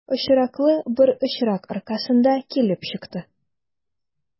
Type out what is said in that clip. Очраклы бер очрак аркасында килеп чыкты.